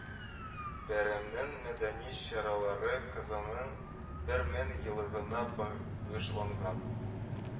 Бәйрәмнең мәдәни чаралары Казанның бер мең еллыгына багышланган